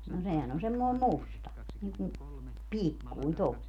no sehän on semmoinen musta niin kuin pikkuinen tuommoinen